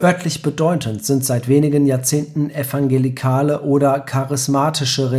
Örtlich bedeutend sind seit wenigen Jahrzehnten evangelikale oder charismatische religiöse Gemeinschaften